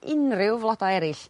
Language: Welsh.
unryw flodau eryll